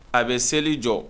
A be seli jɔ.